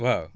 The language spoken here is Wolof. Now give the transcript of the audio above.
waaw